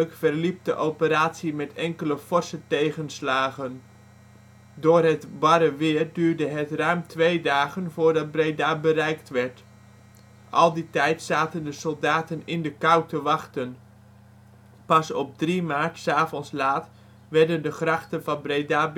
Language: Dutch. verliep de operatie met enkele forse tegenslagen. Door het barre weer duurde het ruim twee dagen voordat Breda bereikt werd. Al die tijd zaten de soldaten in de kou te wachten. Pas op 3 maart ' s avonds laat werden de grachten van Breda